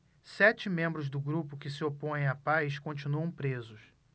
sete membros do grupo que se opõe à paz continuam presos